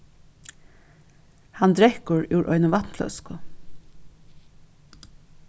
hann drekkur úr eini vatnfløsku